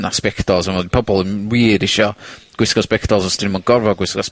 'na sbectols a ma' oedd pobl 'im wir isio gwisgo sbectols os 'dyn nw'm yn gorfod gwisgo...